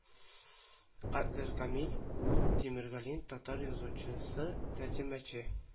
Адлер камил улы тимергалин татар язучысы тәрҗемәче